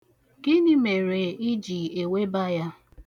Gịnị mere ị ji eweba ya.